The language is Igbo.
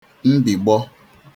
mbigbọ